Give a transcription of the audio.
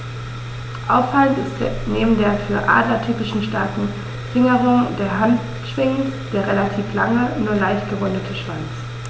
Auffallend ist neben der für Adler typischen starken Fingerung der Handschwingen der relativ lange, nur leicht gerundete Schwanz.